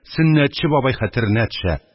Сөннәтче бабай хәтеренә төшә,